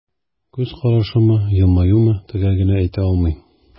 Күз карашымы, елмаюмы – төгәл генә әйтә алмыйм.